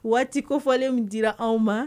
Waati ko fɔlen min di anw ma